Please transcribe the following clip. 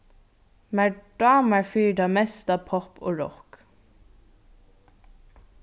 mær dámar fyri tað mesta popp og rokk